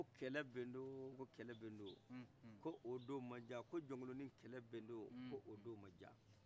kɛlɛ bɛndon ko kɛlɛ bɛndon ko o don ma ja ko jonkolonin kɛlɛ bɛndon ko o ma ja